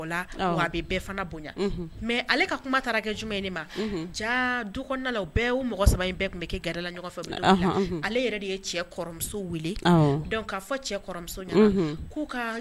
Du bɛɛ mɔgɔ in bɛɛ tun bɛ gɛrɛla ɲɔgɔnfɛ ale yɛrɛ de ye cɛmuso weele dɔnku k'a fɔ cɛ' ka